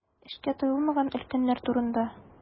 Эшкә тыгылмаган өлкәннәр турында.